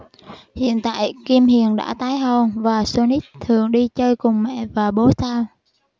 hiện tại kim hiền đã tái hôn và sonic thường đi chơi cùng mẹ và bố sau